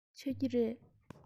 མཆོད ཀྱི རེད